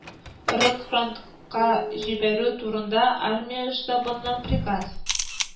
Рып, фронтка җибәрү турында армия штабыннан приказ